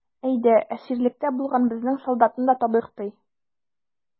Әйдә, әсирлектә булган безнең солдатны да табыйк, ди.